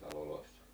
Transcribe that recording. taloissa